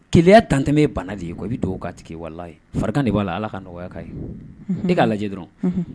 Keya tantɛmɛ bana de ye i bɛ dugawu ka ye fari de b' la ala ka nɔgɔya kan ye ne k'a lajɛ dɔrɔn